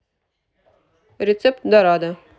рецепт дорадо